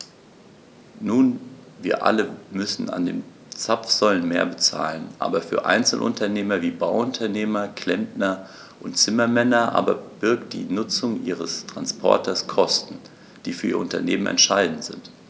Nun wir alle müssen an den Zapfsäulen mehr bezahlen, aber für Einzelunternehmer wie Bauunternehmer, Klempner und Zimmermänner aber birgt die Nutzung ihres Transporters Kosten, die für ihr Unternehmen entscheidend sind.